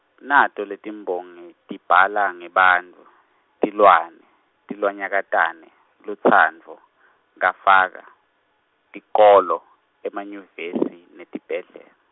nato letiMbongi, tibhala ngebantfu, tilwane, tilwanyakatane, lutsandvo, kafaka, tikolo, emanyuvesi, netibhedlel-.